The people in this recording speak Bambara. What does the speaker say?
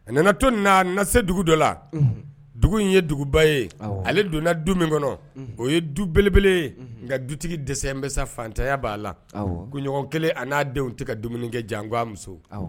A nana to na na se dugu dɔ la dugu in ye duguba ye ale donnana du min kɔnɔ o ye du belebele nka dutigi dɛsɛ bɛ sa fatanya b'a la kunɲɔgɔn kelen an n'a denw tɛ ka dumuni kɛ jan muso